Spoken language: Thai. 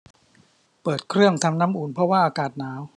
เปิดเครื่องทำน้ำอุ่นเพราะว่าอากาศหนาว